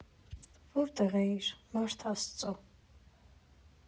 Որտե՞ղ էիր, մարդ աստծո։